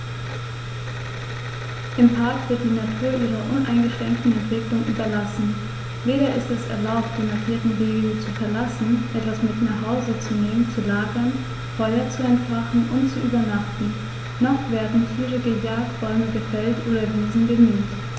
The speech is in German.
Im Park wird die Natur ihrer uneingeschränkten Entwicklung überlassen; weder ist es erlaubt, die markierten Wege zu verlassen, etwas mit nach Hause zu nehmen, zu lagern, Feuer zu entfachen und zu übernachten, noch werden Tiere gejagt, Bäume gefällt oder Wiesen gemäht.